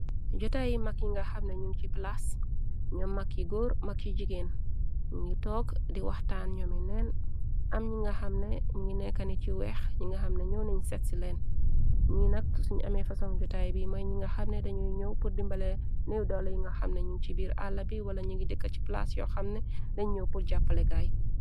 Jotaay yi mag yi nga xamna ñun ci palaas, ñoom mag yu góor, mag yu jigeen, ñi ngi toog di waxtaan ñoomi neen, am ñi nga xamne ñi ngi neka nit yu weex, ñi nga xam na ñoow nañu sexi leen, ñi nak suñ ame fasong jotaay bi, moy ñi nga xamne dañuy ñoow pur dimbale new doole yi nga xam na ñu ci biir àlla bi, wala ñingi dëkka ci palaase yoo xamne dañ ñoow pur-jàppalegaay.